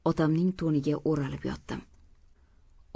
deb otamning to'niga o'ralib yotdim